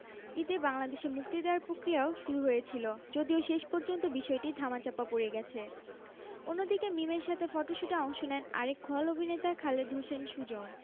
ঈদে বাংলাদেশে মুক্তি দেয়ার প্রক্রিয়াও শুরু হয়েছিল যদিও শেষ পর্যন্ত বিষয়টি ধামাচাপা পড়ে গেছে অন্যদিকে মিমের সাথে ফটশুটে অংশ নেন আরেক খল অভিনেতা খালেদ হোসেন সুজন